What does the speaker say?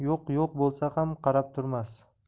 yo'q yo'q bo'lsa ham qarab turmas